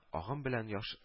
Агым белән ярыш